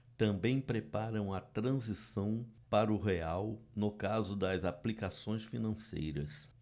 também preparam a transição para o real no caso das aplicações financeiras